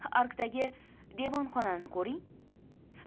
arkdagi devonxonani ko'ring